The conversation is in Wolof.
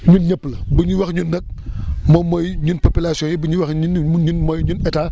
ñun ñëpp la ñun ñëpp la bu ñuy wax ñun nag moom mooy ñun population yi bu ñuy wax ñun ñun mooy ñun état